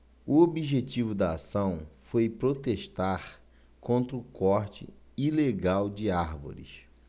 o objetivo da ação foi protestar contra o corte ilegal de árvores